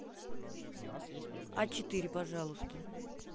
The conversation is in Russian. а четыре пожалуйста